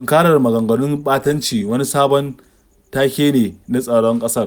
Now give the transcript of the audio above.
Tunkarar maganganun ɓatanci wani sabon take ne na tsaron ƙasa